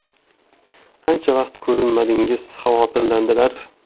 ancha vaqt ko'rinmadingiz xavotirlandilar